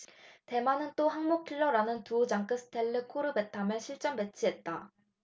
대만은 또 항모킬러라는 두오장급 스텔스 코르벳함을 실전배치했다